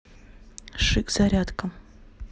chik зарядка